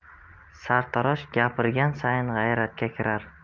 sartarosh gapirgan sayin g'ayratga kirar